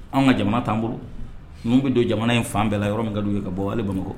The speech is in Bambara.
Anw ka jamana tan bolo n bɛ don jamana in fan bɛɛ la yɔrɔ min ka ka bɔ ale bamakɔ